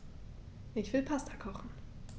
Ich will Pasta kochen.